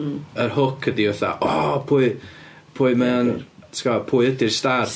Yr hook ydi fatha, o pwy- pwy mae o'n, ti'n gwbod, pwy ydi'r star?